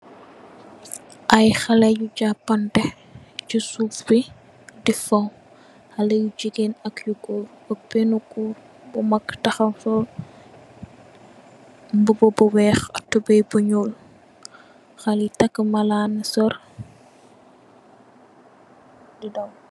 Ay xalèh yu japanteh ci suuf si di fóó. Xalèh yu jigéen ak yu gór ak benna gór bu mak taxaw sol mbubu bu wèèx ak tubay bu ñuul. Xalèh yi tàkka malan ni sër di daw.